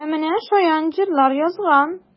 Ә менә шаян җырлар язган!